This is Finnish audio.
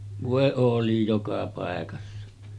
voi oli joka paikassa